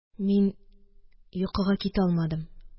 Мин йокыга китә алмадым